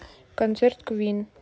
концерт квин